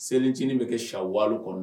Selicinin bɛ kɛ sa waa kɔnɔ